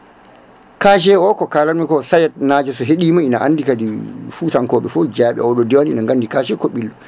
casier o ko kalatmi ko SAET najo so heɗima ina andi kadi Foutankoɓe fo jeeyaɗo oɗo diwan ina gandi casier Kobɓillo